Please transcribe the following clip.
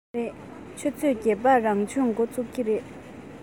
ཡོད རེད ཆུ ཚོད བརྒྱད པར རང སྦྱོང འགོ ཚུགས ཀྱི རེད